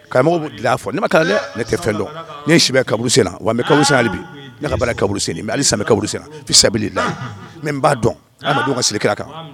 Karamɔgɔw bu kle a fɔ ne ma kalan dɛ ne tɛ fɛndon ne yen si bɛ kɛ kaburusen na wa n bɛ kaburusen na halibi ne ka baara ye kaburusen de ye mais halisa n bɛ kaburu sen na fisabilila mais n b'a dɔn adamadenw ka seli kira kan